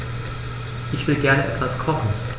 Ich will gerne etwas kochen.